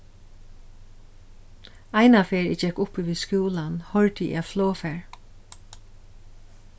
einaferð eg gekk uppi við skúlan hoyrdi eg eitt flogfar